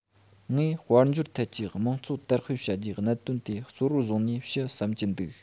ངས དཔལ འབྱོར ཐད ཀྱི དམངས གཙོ དར སྤེལ བྱ རྒྱུའི གནད དོན དེ གཙོ བོར བཟུང ནས བཤད བསམ གྱི འདུག